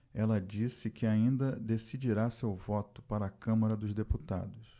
ela disse que ainda decidirá seu voto para a câmara dos deputados